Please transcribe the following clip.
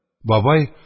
Бабай